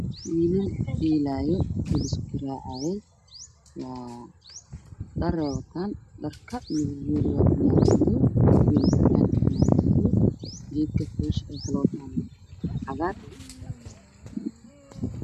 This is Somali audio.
Waa wiilal laba wiil wataan fannaanado cagaar madow waxa ay gacanta ku hayaan waa cagaar waa guduud guryo ayaa ka dambeeya